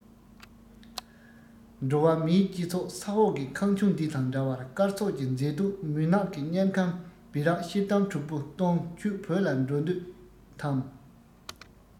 འགྲོ བ མིའི སྤྱི ཚོགས ས འོག གི ཁང ཆུང འདི དང འདྲ བ སྐར ཚོགས ཀྱི མཛེས སྡུག མུན ནག གི དམྱལ ཁམས སྦི རག ཤེལ དམ དྲུག པོ བཏུངས ཁྱོད བོད ལ འགྲོ འདོད དམ